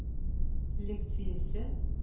Лекциясе